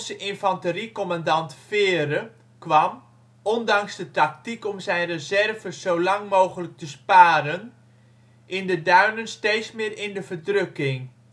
infanteriecommandant Vere kwam, ondanks de tactiek om zijn reserves zo lang mogelijk te sparen, in de duinen steeds meer in de verdrukking